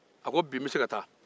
a ko bi n bɛ se ka taa